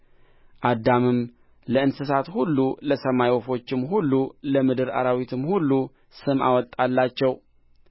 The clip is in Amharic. አዳምም ለእንስሳት ሁሉ ለሰማይ ወፎችም ሁሉ ለምድር አራዊትም ሁሉ ስም አወጣላቸው